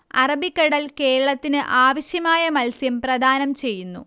അറബിക്കടൽ കേരളത്തിന് ആവശ്യമായ മത്സ്യം പ്രദാനം ചെയ്യുന്നു